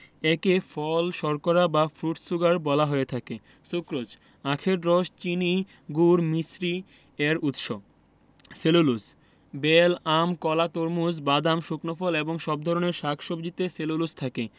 একে ফল শর্করা বা ফ্রুট শুগার বলা হয়ে থাকে সুক্রোজ আখের রস চিনি গুড় মিছরি এর উৎস সেলুলোজ বেল আম কলা তরমুজ বাদাম শুকনো ফল এবং সব ধরনের শাক সবজিতে সেলুলোজ থাকে